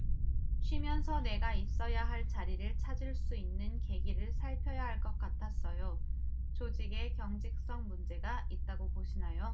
쉬면서 내가 있어야 할 자리를 찾아갈 수 있는 계기를 살펴야 할 것 같았어요 조직의 경직성 문제가 있다고 보시나요